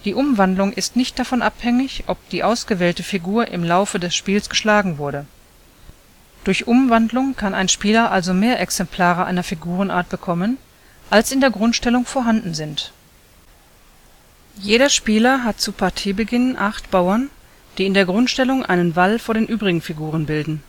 Umwandlung ist nicht davon abhängig, ob die ausgewählte Figur im Laufe des Spiels geschlagen wurde. Durch Umwandlung kann ein Spieler also mehr Exemplare einer Figurenart bekommen, als in der Grundstellung vorhanden sind. Jeder Spieler hat zu Partiebeginn acht Bauern, die in der Grundstellung einen Wall vor den übrigen Figuren bilden